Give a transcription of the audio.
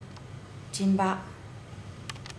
སྤྲིན པ